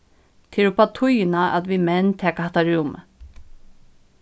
tað er uppá tíðina at vit menn taka hatta rúmið